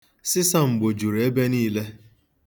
Sịsamgbo juru ebe niile.